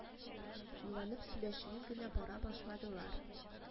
Уйланып сөйләшми генә бара башладылар